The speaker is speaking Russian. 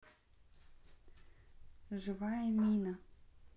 живая мина